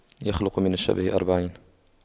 يخلق من الشبه أربعين